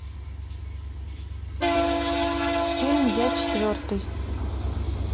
фильм я четвертый